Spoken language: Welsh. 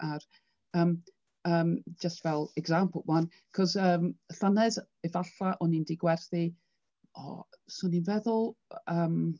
Ar yym yym jyst fel example 'wan cos yym llynedd efallai o'n i 'di gwerthu o 'swn i'n feddwl yym...